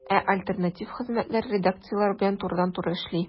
Ә альтернатив хезмәтләр редакцияләр белән турыдан-туры эшли.